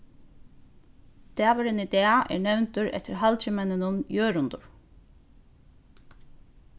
dagurin í dag er nevndur eftir halgimenninum jørundur